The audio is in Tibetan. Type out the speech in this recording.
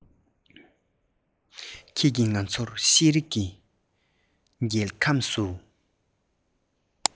ཁྱེད ཀྱིས ང ཚོར ཤེས རིག གི རྒྱལ ཁམས སུ